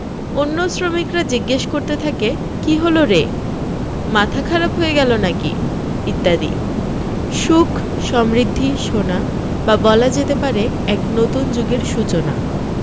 অন্য শ্রমিকরা জিজ্ঞেস করতে থাকে কী হল রেমাথা খারাপ হয়ে গেল নাকি ইত্যাদি সুখ সমৃদ্ধি সোনা বা বলা যেতে পারে এক নতুন যুগের সূচনা